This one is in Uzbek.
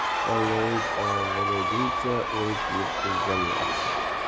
olma yeb og'riguncha o'rik yeb o'lgan yaxshi